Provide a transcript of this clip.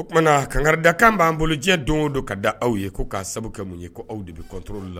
O tumana kangaridakan b' an bolo diɲɛ don o don ka da aw ye k'a sababu kɛ mun ye ko aw de bɛ controle la.